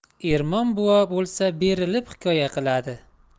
ermon buva bo'lsa berilib hikoya qiladi